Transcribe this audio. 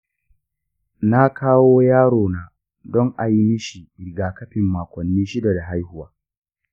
na kawo yarona don ayi mishi rigakafin makonni shida da haihuwa.